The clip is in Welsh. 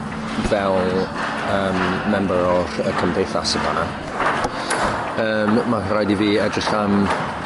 fel yym member o y cymdeithas yn fana yym ma' rhaid i fi edrych am